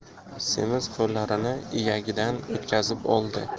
semiz qo'llarini iyagidan o'tkazib oldi